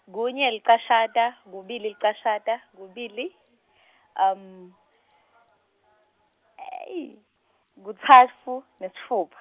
kunye, licashata, kubili, licashata, kubili , kutsatfu, nesitfupha.